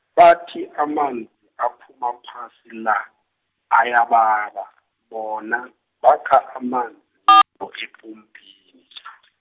bathi amanzi aphuma phasi la, ayababa bona, bakha amanzi , epompini .